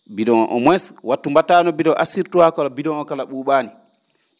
bidon au moins wattu mbattaa ?e he bidon assure toi que bidon oo kala ?uu?aani